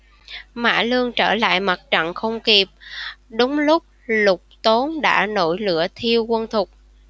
mã lương trở lại mặt trận không kịp đúng lúc lục tốn đã nổi lửa thiêu quân thục